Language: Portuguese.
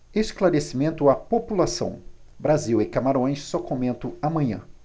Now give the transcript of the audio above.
esclarecimento à população brasil e camarões só comento amanhã